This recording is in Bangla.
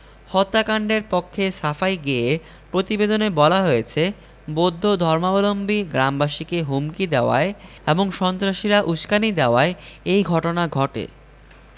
হত্যাকাণ্ডের পক্ষে সাফাই গেয়ে প্রতিবেদনে বলা হয়েছে বৌদ্ধ ধর্মাবলম্বী গ্রামবাসীকে হুমকি দেওয়ায় এবং সন্ত্রাসীরা উসকানি দেওয়ায় এই ঘটনা ঘটে